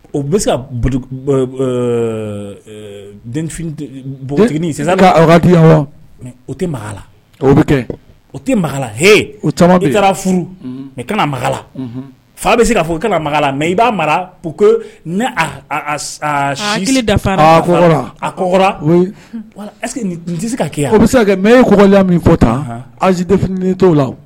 O bɛ se ka npogo sisan ka o tɛ la o bɛ kɛ o tɛla u tama taara furu kanala fa bɛ se k ka fɔ i kanaga la mɛ i b'a mara ko ne dafa a tɛ ka kɛ o bɛ se mɛ ye kɔ min fɔ alizf tɔw la